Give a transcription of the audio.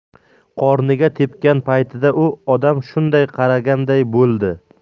qorniga tepgan paytida u odam shunday qaraganday bo'ldi